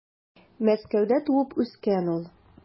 Мәскәүдә туып үскән ул.